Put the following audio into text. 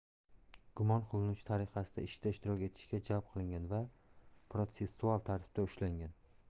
gumon qilinuvchi tariqasida ishda ishtirok etishga jalb qilingan va protsessual tartibda ushlangan